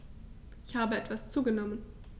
Ich habe etwas zugenommen